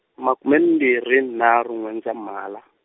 makume mbirhi nharhu N'wendzamhala.